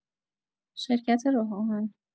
شرکت راه‌آهن